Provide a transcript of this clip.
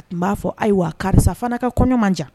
A tun b'a fɔ ayiwa karisa fana ka kɔɲɔmanjan